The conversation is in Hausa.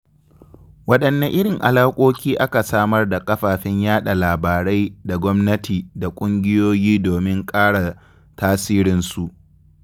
Waɗanne irin alaƙoƙi aka samar da kafafen yaɗa labarai da gwamnati da ƙungiyoyi domin ƙara tasirinsu?